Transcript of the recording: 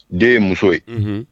Den ye muso ye